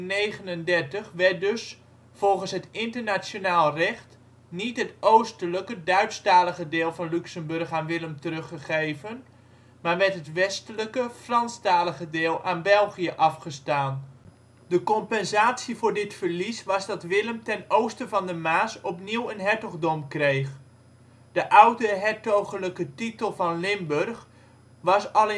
1839) werd dus, volgens het internationaal recht, niet het oostelijke, Duitstalige deel van Luxemburg aan Willem teruggegeven, maar werd het westelijke, Franstalige deel aan België afgestaan. De compensatie voor dit verlies was dat Willem ten oosten van de Maas opnieuw een hertogdom kreeg. De oude hertogelijke titel van Limburg was al